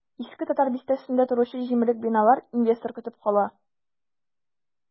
Иске татар бистәсендә торучы җимерек биналар инвестор көтеп кала.